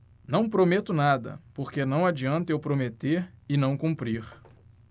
não prometo nada porque não adianta eu prometer e não cumprir